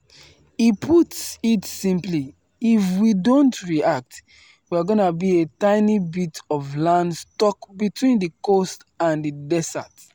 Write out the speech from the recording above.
He puts it simply: “If we don't react, we are gonna be a tiny bit of land stuck between the coast and the desert.”